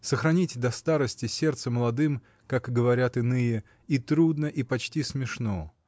сохранить до старости сердце молодым, как говорят иные, и трудно и почти смешно